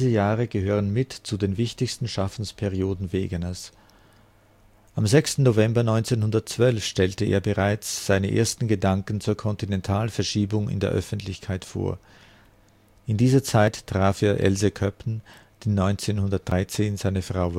Jahre gehören mit zu den wichtigsten Schaffensperioden Wegeners. Am 6. November 1912 stellte er bereits seine ersten Gedanken zur Kontinentalverschiebung in der Öffentlichkeit vor. In dieser Zeit traf er Else Köppen, die 1913 seine Frau